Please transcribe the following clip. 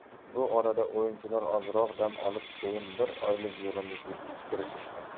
bu orada o'yinchilar ozroq dam olib keyin bir oylik yig'inga kirishdi